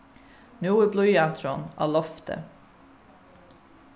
nú er blýanturin á lofti